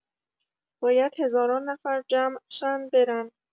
باید هزاران نفر جمع شن برن